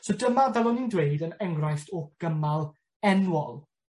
So dyma fel o'n i'n dweud yn enghraifft o gymal enwol.